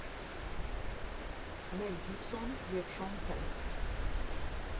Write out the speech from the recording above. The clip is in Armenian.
Մել Գիբսոն և Շոն Փեն։